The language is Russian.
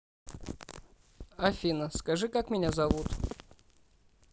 афина скажи как меня зовут